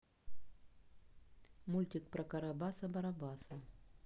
мультик про карабаса барабаса